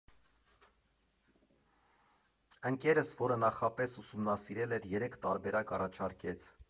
Ընկերս, որը նախապես ուսումնասիրել էր, երեք տարբերակ առաջարկեց։